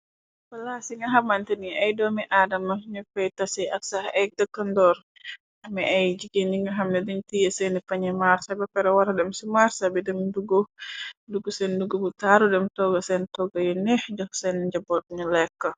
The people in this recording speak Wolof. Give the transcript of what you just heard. Palaas yi nga xamante ni ay doomi aadama ñu fey tasi. Ak sax ak dëkkandoor ami ay jigeen yi nga xamne dañ tiyé seeni pañi marsa. Ba pera wara dem ci marsa bi dem dugg seen dugg bu taaru. Dem togga seen togga yu neex jox seen njaboot ñu lekk.